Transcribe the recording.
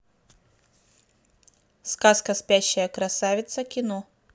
сказка спящая красавица кино